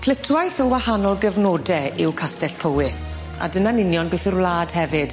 Clytwaith o wahanol gyfnode yw Castell Powys a dyna'n union beth yw'r wlad hefyd.